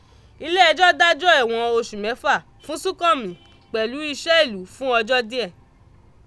Ilé ẹjọ́ dájọ́ ẹ̀wọ̀n oṣù mẹ́fà fún Súnkànmí pẹ̀lú iṣẹ́ ìlú fún ọjọ́ díẹ̀.